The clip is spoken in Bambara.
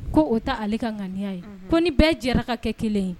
Ko o ta ale ka ŋaniya ye ko ni bɛɛ jɛra ka kɛ kelen ye